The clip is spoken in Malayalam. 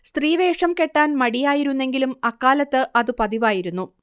സ്ത്രീവേഷം കെട്ടാൻ മടിയായിരുന്നെങ്കിലും അക്കാലത്ത് അതു പതിവായിരുന്നു